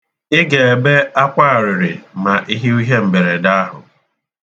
I ga-ebe akwa arịrị ma i hụ ihe mberede ahụ.